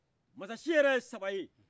masacin yɛrɛ ye sabaye